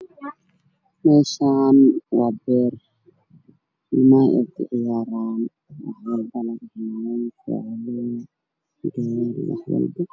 Meeshaan waxaa beer ilmaha yar ay ku ciyaaraan waxaa yaalo diifow, xarig ka bood iyo wax walbo